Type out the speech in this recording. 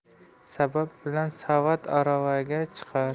sabab bilan savat aravaga chiqar